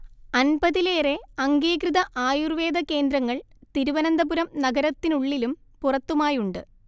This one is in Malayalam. അൻപതിലേറെ അംഗീകൃത ആയുർവേദ കേന്ദ്രങ്ങൾ തിരുവനന്തപുരം നഗരത്തിനുള്ളിലും പുറത്തുമായുണ്ട്